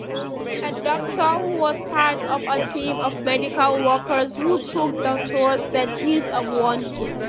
A doctor who was part of a team of medical workers who took the tour said this of one case: